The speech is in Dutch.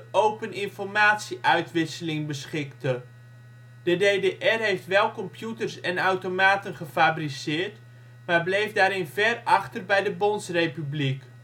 open informatie-uitwisseling beschikte. De DDR heeft wel computers en automaten gefabriceerd maar bleef daarin ver achter bij de Bondsrepubliek